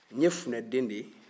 n ye funɛden de ye